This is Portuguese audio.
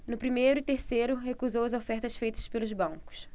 no primeiro e terceiro recusou as ofertas feitas pelos bancos